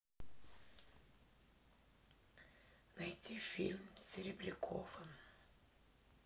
найди фильм с серебряковым